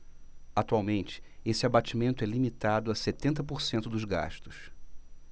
atualmente esse abatimento é limitado a setenta por cento dos gastos